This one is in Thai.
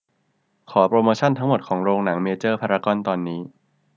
ขอโปรโมชันทั้งหมดของโรงหนังเมเจอร์พารากอนตอนนี้